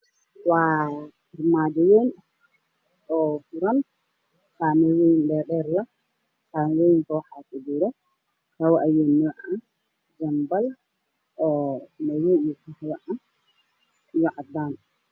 Waa dukaan waxaa lagu iibinayaa kabo midabkooda ka kooban yahay madow caddaan waana mar ganacsi